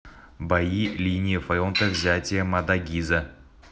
бои линии фронта взятие мадагиза